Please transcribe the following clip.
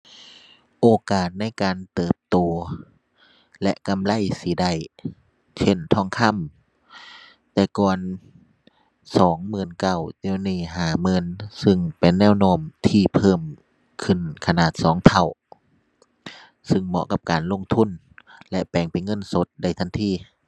โอกาสในการเติบโตและกำไรสิได้ เช่นทองคำแต่ก่อนสองหมื่นเก้า เดี๋ยวนี้ห้าหมื่น ซึ่งเป็นแนวโน้มที่เพิ่มขึ้นขนาดสองเท่า ซึ่งเหมาะกับการลงทุนและแปลงเป็นเงินสดได้ทันที